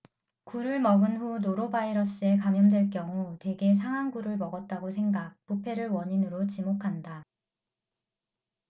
굴을 먹은 후 노로바이러스에 감염될 경우 대개 상한 굴을 먹었다고 생각 부패를 원인으로 지목한다